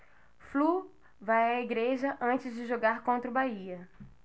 flu vai à igreja antes de jogar contra o bahia